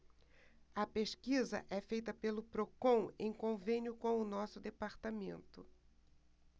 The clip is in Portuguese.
a pesquisa é feita pelo procon em convênio com o diese